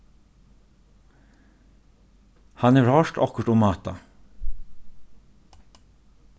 hann hevur hoyrt okkurt um hatta